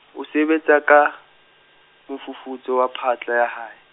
o sebetsa ka, mofufutso wa phatla ya hae.